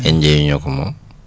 indien yi ñoo ko moom